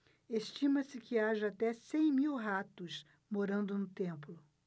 estima-se que haja até cem mil ratos morando no templo